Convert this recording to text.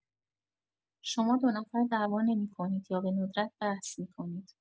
شما دو نفر دعوا نمی‌کنید یا به‌ندرت بحث می‌کنید.